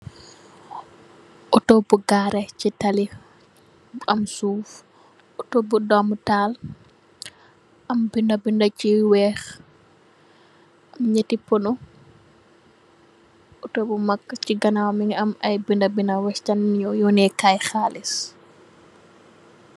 Oto bu garreh ci tali bu am suuf, oto bu domutal am binda, binda yu weeh, ñetti puno. Oto bu am ci gannawam mungi am binda, binda western union yun neh Kaye haalis.